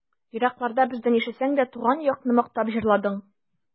Еракларда бездән яшәсәң дә, Туган якны мактап җырладың.